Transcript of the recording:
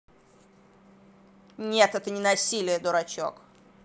нет это не насилие дурачок